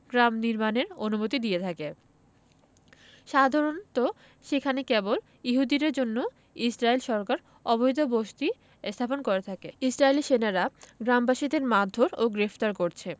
গ্রাম নির্মাণের অনুমতি দিয়ে থাকে সাধারণত সেখানে কেবল ইহুদিদের জন্য ইসরাইল সরকার অবৈধ বসতি স্থাপন করে থাকে ইসরাইলী সেনারা গ্রামবাসীদের মারধোর ও গ্রেফতার করছে